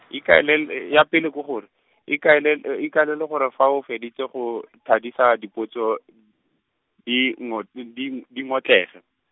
ikaelel- , ya pele ke gore, ikaele- , ikaelele gore fa o feditse go , thadisa dipotso, di ngo-, di di ngotlege.